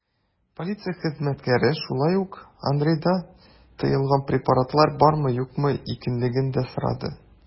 Полиция хезмәткәре шулай ук Андрейда тыелган препаратлар бармы-юкмы икәнлеген дә сорады.